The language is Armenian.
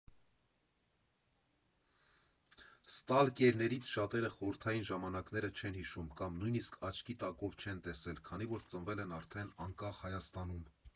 Ստալկերներից շատերը խորհրդային ժամանակները չեն հիշում, կամ նույնիսկ աչքի տակով չեն տեսել, քանի որ ծնվել են արդեն անկախ Հայաստանում։